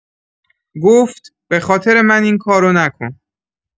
گفت: «به‌خاطر من این کارو نکن.»